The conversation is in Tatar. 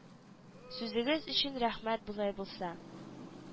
Сүзегез өчен рәхмәт болай булса